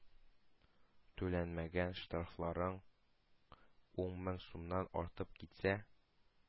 Түләнмәгән штрафларың ун мең сумнан артып китсә,